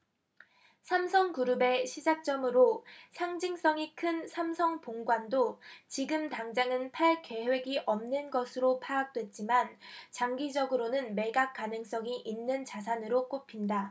삼성그룹의 시작점으로 상징성이 큰 삼성본관도 지금 당장은 팔 계획이 없는 것으로 파악됐지만 장기적으로는 매각 가능성이 있는 자산으로 꼽힌다